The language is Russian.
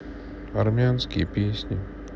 армянские песни